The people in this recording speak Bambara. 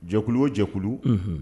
Jɛkulu o jɛkulu